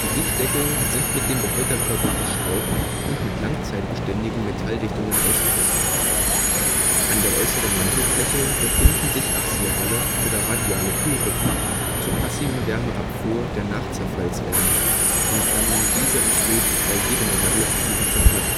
Dichtdeckel sind mit dem Behälterkörper verschraubt und mit langzeitbeständigen Metalldichtungen ausgerüstet. An der äußeren Mantelfläche befinden sich axiale oder radiale Kühlrippen zur passiven Wärmeabfuhr der Nachzerfallswärme (diese entsteht bei jedem radioaktiven Zerfall